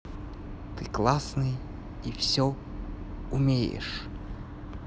ты классный и все умеешь